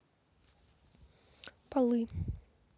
полы